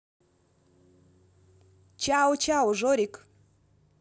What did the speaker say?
чао чао жорик